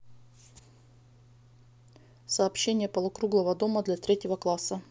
сообщение полукруглого дома для третьего класса